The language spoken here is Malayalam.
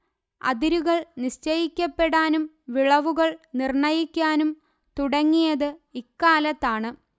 അതിരുകൾ നിശ്ചയിക്കപ്പെടാനും വിളവുകൾ നിർണ്ണയിക്കാനും തുടങ്ങിയത് ഇക്കാലത്താണ്